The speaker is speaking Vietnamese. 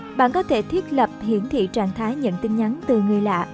bạn có thể thiết lập hiển thị trang thái nhận tin nhắn từ người lạ